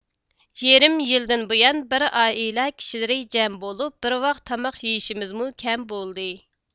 يېرىم يىلدىن بۇيان بىر ئائىلە كىشىلىرى جەم بولۇپ بىر ۋاخ تاماق يېيىشىمىزمۇ كەم بولدى